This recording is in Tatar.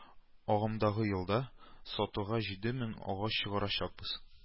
Агымдагы елда сатуга җиде мең агач чыгарачакбыз